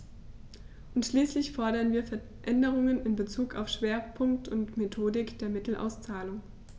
Und schließlich fordern wir Veränderungen in bezug auf Schwerpunkt und Methodik der Mittelauszahlung.